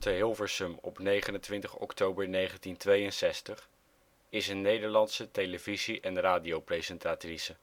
Hilversum, 29 oktober 1962) is een Nederlandse televisie - en radiopresentatrice